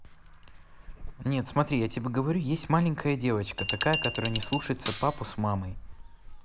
нет смотри я тебе говорю есть маленькая девочка такая которая не слушается папу с мамой